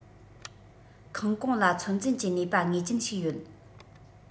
ཁང གོང ལ ཚོད འཛིན གྱི ནུས པ ངེས ཅན ཞིག ཡོད